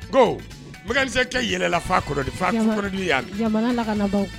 Ko bamanankisɛ ka yɛlɛlafa kɔrɔ kɔrɔdi yan